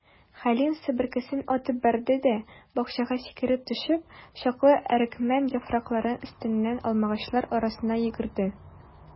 Хәлим, себеркесен атып бәрде дә, бакчага сикереп төшеп, чыклы әрекмән яфраклары өстеннән алмагачлар арасына йөгерде.